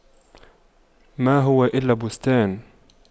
ما هو إلا بستان